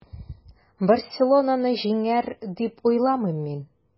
“барселона”ны җиңәр, дип уйламыйм мин.